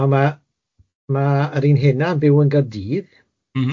...a ma ma ma yr un hynna'n byw yn Gardydd... M-hm.